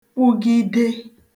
kwugide